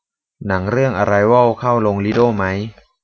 หนังเรื่องอะไรวอลเข้าโรงลิโด้มั้ย